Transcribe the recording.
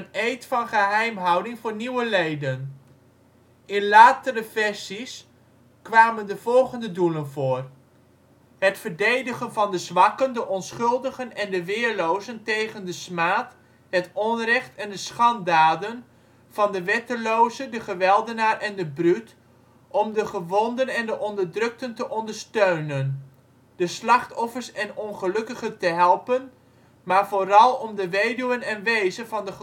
eed van geheimhouding voor nieuwe leden. In latere versies kwamen de volgende doelen voor: 1. Het verdedigen van de zwakken, de onschuldigen en de weerlozen tegen de smaad, het onrecht en de schanddaden van de wetteloze, de geweldenaar en de bruut, om de gewonden en de onderdrukten te ondersteunen, de slachtoffers en ongelukkigen te helpen, maar vooral om de weduwen en wezen van de